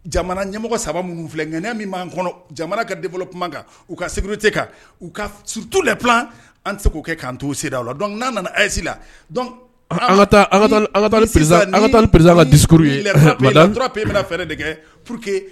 Jamana ɲɛmɔgɔ saba minnu filɛ ŋ min b'an kɔnɔ jamana ka den kuma kan u ka sigi te kan u katu la an tɛ k'o kɛ k'an to sera a la dɔn n' nana ayise la dɔn an taa an perez ka dikoro tora pe bɛna fɛɛrɛ de kɛ p que